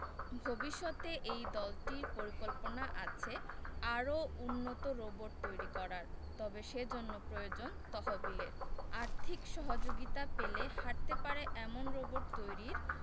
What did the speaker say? ভবিষ্যতে এই দলটির পরিকল্পনা আছে আরও উন্নত রোবট তৈরি করার তবে সেজন্য প্রয়োজন তহবিলের আর্থিক সহযোগিতা পেলে হাটতে পারে এমন রোবট তৈরির